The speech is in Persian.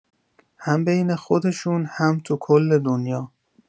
هم بین خودشون هم تو کل دنیا